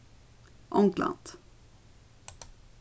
ongland